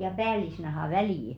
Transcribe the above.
ja päällisnahan väliin